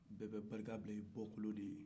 bɛ bɛ barika bla i bɔkolo deye